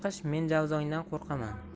qish men javzongdan qo'rqaman